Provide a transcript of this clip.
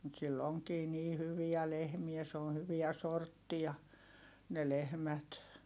mutta sillä onkin niin hyviä lehmiä se on hyviä sorttia ne lehmät